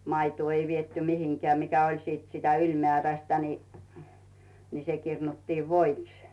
maitoa ei viety mihinkään mikä oli sitten sitä ylimääräistä niin niin se kirnuttiin voiksi